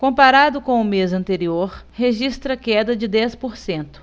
comparado com o mês anterior registra queda de dez por cento